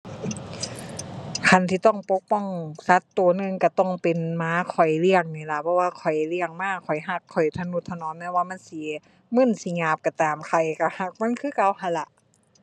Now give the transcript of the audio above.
คันสิต้องปกป้องสัตว์ตัวหนึ่ง ตัวต้องเป็นหมาข้อยเลี้ยงนี่ล่ะ เพราะว่าข้อยเลี้ยงมา ข้อยตัว ข้อยทะนุถนอม แม้ว่ามันสิมึนสิหยาบตัวตาม ข้อยตัวตัวมันคือเก่าหั้นล่ะ